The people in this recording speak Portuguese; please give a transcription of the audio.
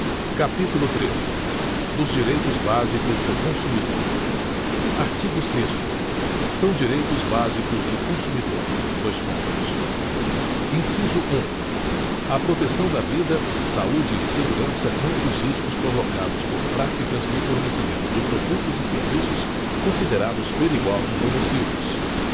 capítulo três dos direitos básicos do consumidor artigo sexto são direitos básicos do consumidor dois pontos inciso um a proteção da vida saúde e segurança contra os riscos provocados por práticas no fornecimento de produtos e serviços considerados perigosos ou nocivos